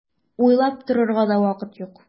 Уйлап торырга вакыт юк!